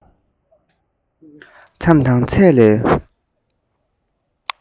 མཚམས དང ཚད ལས